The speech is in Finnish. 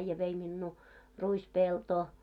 äijä vei minua ruispeltoon